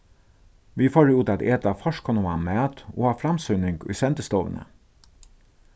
vit fóru út at eta forkunnugan mat og á framsýning í sendistovuni